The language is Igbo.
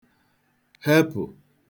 hepụ̀